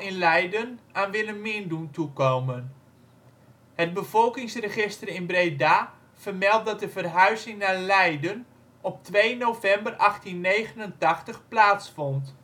Leiden aan Willemien doen toekomen. Het bevolkingsregister in Breda vermeldt dat de verhuizing naar Leiden op 2 november 1889 plaatsvond